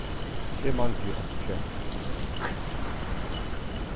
eg mangli einki